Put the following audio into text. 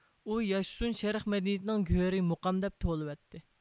ئۇ ياشىسۇن شەرق مەدەنىيىتىنىڭ گۆھىرى مۇقام دەپ توۋلىۋەتتى